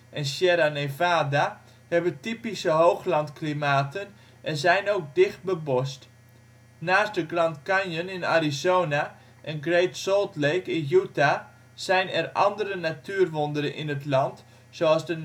en Sierra Nevada hebben typische hooglandklimaten en zijn ook dicht bebost. Naast de Grand Canyon in Arizona en Great Salt Lake in Utah, zijn er andere natuurwonderen in het land, zoals de